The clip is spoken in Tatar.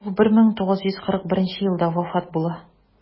Ул 1941 елда вафат була.